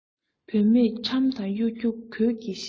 བུད མེད ཁྲམ དང གཡོ སྒྱུ གྱོད ཀྱི གཞི